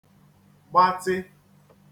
gbatị